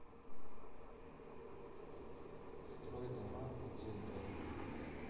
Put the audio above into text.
строй дома под землей